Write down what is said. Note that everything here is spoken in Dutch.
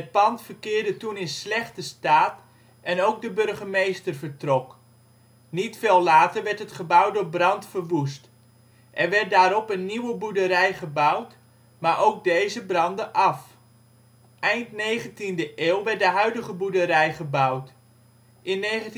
pand verkeerde toen in slechte staat en ook de burgemeester vertrok. Niet veel later werd het gebouw door brand verwoest. Er werd daarop een nieuwe boerderij gebouwd, maar ook deze brandde af. Eind 19e eeuw werd de huidige boerderij gebouwd. In 1995